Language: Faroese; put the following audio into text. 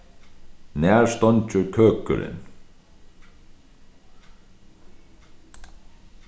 nær steingir køkurin